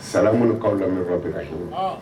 salamun qawlan min rabiin rahiim